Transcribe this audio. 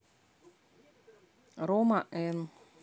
рома эн